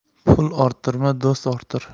pul orttirma do'st orttir